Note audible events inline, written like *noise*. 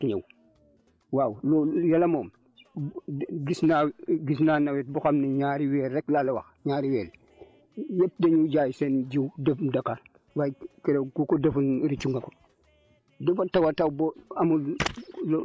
léegi nag mbiru yàlla moom day day day xas a xas rek ñëw waaw loolu yàlla moom *hesitation* gis naa gis naa nawet boo xam ne ñaari weer rek laa la wax ñaari weer ñëpp dañuy jaay seen jiw dem Dakar waaye keroog ku ko defoon rëccu nga ko